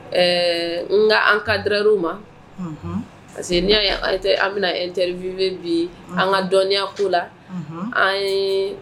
Ɛɛ n ka an ka drw ma an bɛ teririfin bi an ka dɔnniya' la an